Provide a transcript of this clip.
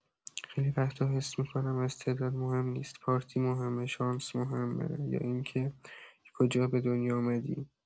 خیلی وقتا حس می‌کنم استعداد مهم نیست، پارتی مهمه، شانس مهمه، یا این که کجا به دنیا اومدی.